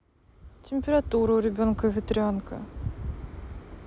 температура у ребенка ветрянка